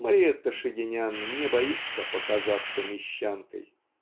Мариэтта Шагинян не боится показаться мещанкой.